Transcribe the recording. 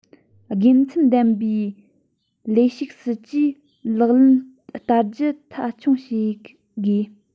དགེ མཚན ལྡན པའི ལས ཞུགས སྲིད ཇུས ལག ལེན བསྟར རྒྱུ མཐའ འཁྱོངས བྱ དགོས